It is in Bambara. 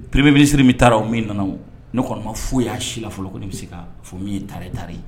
premier minister_ min taa la wo ,min nana wo, ne kɔni ma fosi ye a si la fɔllɔ ko min ye taare taare